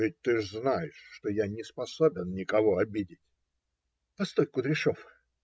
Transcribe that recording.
Ведь ты знаешь, что я не способен никого обидеть. - Постой, Кудряшов.